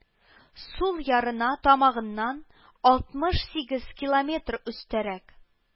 Сул ярына тамагыннан алтмыш сигез километр өстәрәк